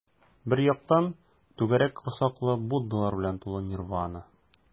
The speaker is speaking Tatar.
Бер яктан - түгәрәк корсаклы буддалар белән тулы нирвана.